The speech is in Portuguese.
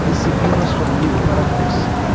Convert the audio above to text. recebi nosso amigo para almoçar